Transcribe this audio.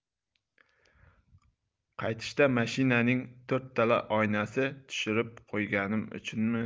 qaytishda mashinaning to'rttala oynasini tushirib qo'yganim uchunmi